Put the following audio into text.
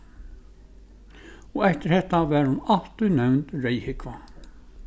og eftir hetta varð hon altíð nevnd reyðhúgva